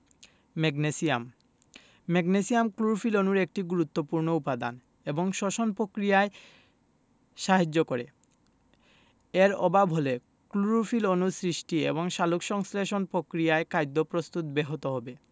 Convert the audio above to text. magnesium magnesium chlorophyll অণুর একটি গুরুত্বপুর্ণ উপাদান এবং শ্বসন প্রক্রিয়ায় সাহায্য করে এর অভাব হলে ক্লোরোফিল অণু সৃষ্টি এবং সালোকসংশ্লেষণ প্রক্রিয়ায় খাদ্য প্রস্তুত ব্যাহত হবে